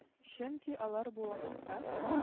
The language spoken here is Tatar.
Чөнки алар бу вакытта